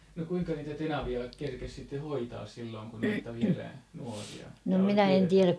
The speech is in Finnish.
no kuinka niitä tenavia kerkesi sitten hoitaa silloin kun olitte vielä nuoria ja oli työtä